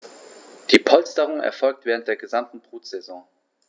Diese Polsterung erfolgt während der gesamten Brutsaison.